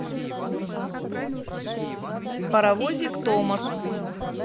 паровозик томас